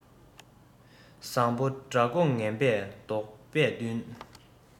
བཟང པོ དགྲ མགོ ངན པས བཟློག པས བསྟུན